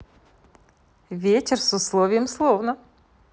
вечер с условием словно